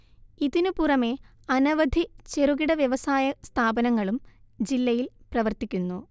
ഇതിനു പുറമേ അനവധി ചെറുകിട വ്യവസായ സ്ഥാപനങ്ങളും ജില്ലയില്‍ പ്രവര്‍ത്തിക്കുന്നു